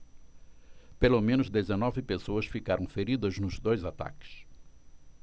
pelo menos dezenove pessoas ficaram feridas nos dois ataques